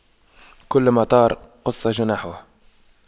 كلما طار قص جناحه